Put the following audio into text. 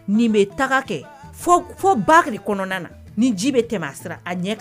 Nin bɛ taga kɛ fo bakariri kɔnɔna na ni ji bɛ tɛmɛ a sira a ɲɛ kan